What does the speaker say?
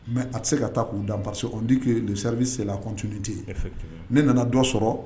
Mɛ a tɛ se ka taa k'u dan parce que on dit que le service c'est la continuité ne nana dɔ sɔrɔ